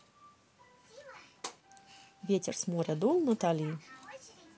ветер с моря дул натали